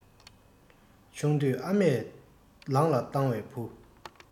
ཆུང དུས ཨ མས ལང ལ བཏང བའི བུ